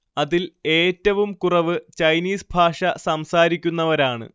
അതിൽ ഏറ്റവും കുറവ് ചൈനീസ് ഭാഷ സംസാരിക്കുന്നവരാണ്